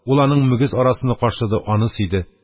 Ул аның мөгез арасыны кашыды, аны сөйде.